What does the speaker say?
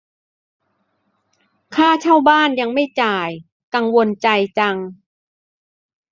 ค่าเช่าบ้านยังไม่จ่ายกังวลใจจัง